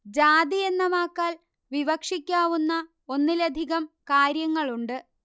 ജാതി എന്ന വാക്കാൽ വിവക്ഷിക്കാവുന്ന ഒന്നിലധികം കാര്യങ്ങളുണ്ട്